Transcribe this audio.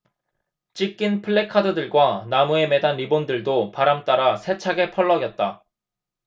찢긴 플래카드들과 나무에 매단 리본들도 바람 따라 세차게 펄럭였다